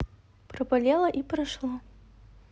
поболело и прошло